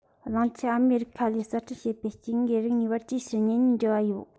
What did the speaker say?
གླིང ཆེན ཨ མེ རི ཁ ལས གསར སྐྲུན བྱས པའི སྐྱེ དངོས རིགས གཉིས བར ཅིའི ཕྱིར གཉེན ཉེའི འབྲེལ བ ཡོད